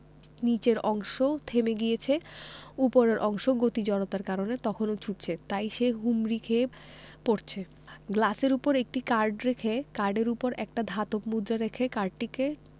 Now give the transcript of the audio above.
নিচের অংশ থেমে গিয়েছে ওপরের অংশ গতি জড়তার কারণে তখনো ছুটছে তাই সে হুমড়ি খেয়ে পড়ছে গ্লাসের উপর একটা কার্ড রেখে কার্ডের উপর একটা ধাতব মুদ্রা রেখে কার্ডটিকে